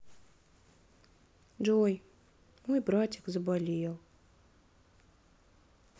джой мой братик заболел